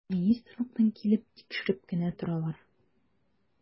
Министрлыктан килеп тикшереп кенә торалар.